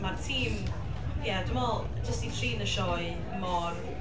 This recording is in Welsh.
Ma'r tîm, ie, dw i'n meddwl jyst 'di trin y sioe mor…